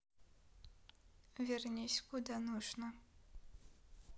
вернись куда нужно